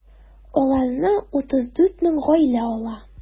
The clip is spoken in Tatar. Аларны 34 мең гаилә ала.